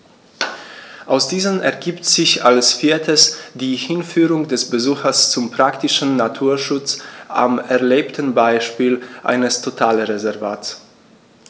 Aus diesen ergibt sich als viertes die Hinführung des Besuchers zum praktischen Naturschutz am erlebten Beispiel eines Totalreservats.